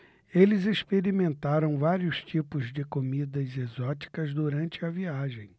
eles experimentaram vários tipos de comidas exóticas durante a viagem